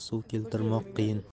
suv keltirmoq qiyin